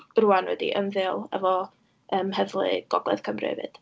rŵan wedi ymddeol efo, yym, heddlu Gogledd Cymru hefyd.